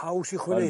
Haws i chwynnu.